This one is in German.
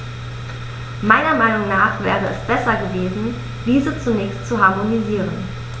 Meiner Meinung nach wäre es besser gewesen, diese zunächst zu harmonisieren.